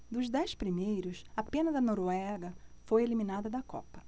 dos dez primeiros apenas a noruega foi eliminada da copa